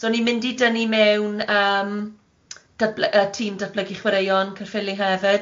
So ni'n mynd i dynnu mewn yym datblu- yy tîm datblygu chwaraeon Cerffyli hefyd.